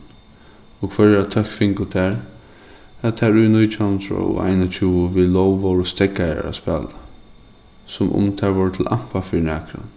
og hvørja tøkk fingu tær at tær í nítjan hundrað og einogtjúgu við lóg vóru steðgaðar at spæla sum um tær vóru til ampa fyri nakran